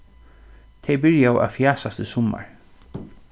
tey byrjaðu at fjasast í summar